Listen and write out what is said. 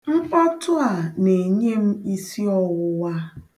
Mkpọtụ a na-enye m isiọwụwa.